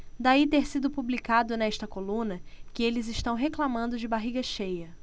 daí ter sido publicado nesta coluna que eles reclamando de barriga cheia